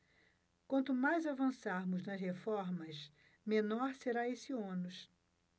quanto mais avançarmos nas reformas menor será esse ônus